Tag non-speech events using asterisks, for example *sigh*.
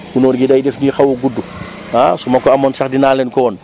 *noise* gunóor gi day def nii xaw a gudd *noise* ah su ma ko amoon sax dinaa leen ko wan